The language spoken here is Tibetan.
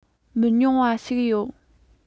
མི ཉུང བ ཞིག ཡོད